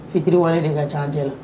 Fitiriwale de ka ca la